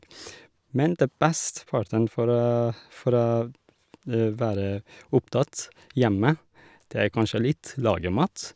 Men det best parten for å for å være opptatt, hjemme, det er kanskje litt lage mat.